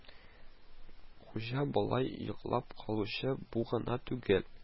Хуҗада болай йоклап калучы бу гына түгел